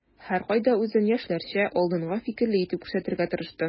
Һәркайда үзен яшьләрчә, алдынгы фикерле итеп күрсәтергә тырышты.